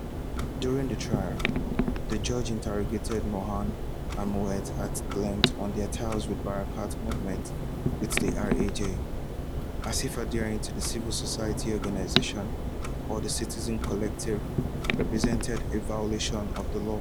During the trial, the judge interrogated Mohand and Moez at length on their ties with the “Barakat!” movement and with RAJ, as if adhering to a civil society organization or to a citizen collective represented a violation of the law.”